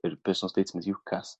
yr personal statement iwcas